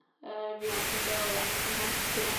Vi var nesten bedre i engelsk enn han, til tider.